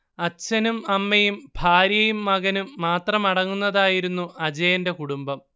അച്ഛനും അമ്മയും ഭാര്യയും മകനും മാത്രമടങ്ങുന്നതായിരുന്നു അജയന്റെ കുടുംബം